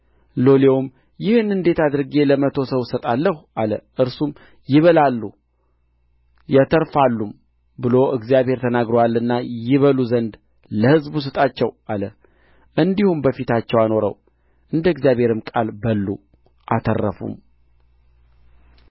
ከበኣልሻሊሻ የበኵራቱን እንጀራ ሀያ የገብስ እንጀራ የእህልም እሸት በአቁማዳ ይዞ ወደ እግዚአብሔር ሰው መጣ እርሱም ይበሉ ዘንድ ለሕዝቡ ስጣቸው አለ